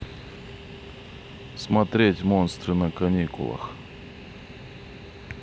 смотреть монстры на каникулах